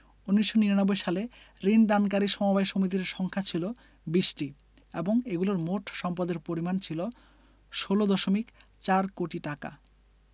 ১৯৯৯ সালে ঋণ দানকারী সমবায় সমিতির সংখ্যা ছিল ২০টি এবং এগুলোর মোট সম্পদের পরিমাণ ছিল ১৬দশমিক ৪ কোটি টাকা